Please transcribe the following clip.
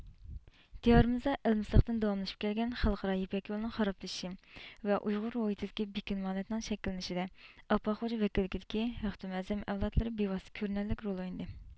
دىيارىمىزدا ئەلمىساقتىن داۋاملىشىپ كەلگەن خەلقئارا يىپەك يولىنىڭ خارابلىشىشى ۋە ئۇيغۇر روھىيتىدىكى بېكىنمە ھالەتنىڭ شەكىللىنىشىدە ئاپپاق خوجا ۋەكىللىكىدىكى ھەختۇم ئەزەم ئەۋلادلىرى بىۋاستە كۆرۈنەرلىك رول ئوينىدى